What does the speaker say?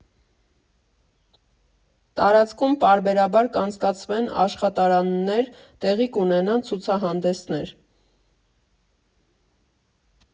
Տարածքում պարբերաբար կանցկացվեն աշխատարաններ, տեղի կունենան ցուցահանդեսներ։